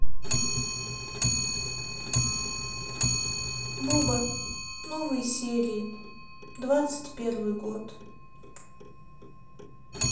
буба новые серии двадцать первый год